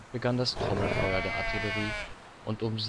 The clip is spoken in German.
begann das Trommelfeuer der Artillerie und um